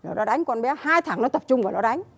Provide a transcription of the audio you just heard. rồi nó đánh con bé hai thằng nó tập trung vào nó đánh